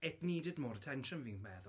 It needed more attention fi'n meddwl.